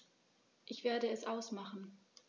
Ich werde es ausmachen